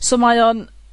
So mae o'n,